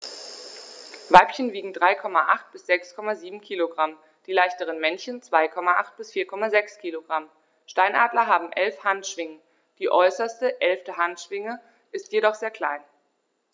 Weibchen wiegen 3,8 bis 6,7 kg, die leichteren Männchen 2,8 bis 4,6 kg. Steinadler haben 11 Handschwingen, die äußerste (11.) Handschwinge ist jedoch sehr klein.